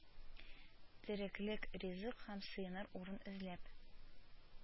Тереклек, ризык һәм сыеныр урын эзләп